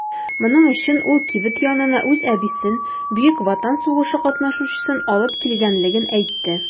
Моның өчен ул кибет янына үз әбисен - Бөек Ватан сугышы катнашучысын алып килгәнлеген әйтте.